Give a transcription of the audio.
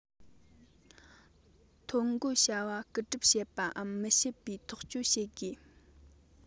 ཐོ འགོད བྱ བ ཁུར སྒྲུབ བྱེད པའམ མི བྱེད པའི ཐག གཅོད བྱེད དགོས